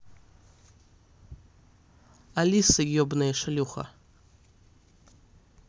алиса ебаная шлюха